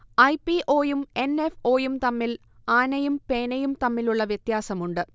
I. P. O യും N. F. O യും തമ്മിൽ ആനയും പേനയും തമ്മിലുള്ള വ്യത്യാസമുണ്ട്